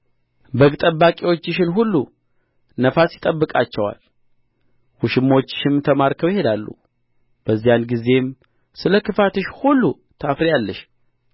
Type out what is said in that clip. በግ ጠባቂዎችሽን ሁሉ ነፋስ ይጠብቃቸዋል ውሽሞችሽም ተማርከው ይሄዳሉ በዚያን ጊዜም ስለ ክፋትሽ ሁሉ ታፍሪያለሽ ትጐሳቈይማለሽ